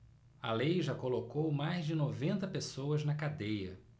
a lei já colocou mais de noventa pessoas na cadeia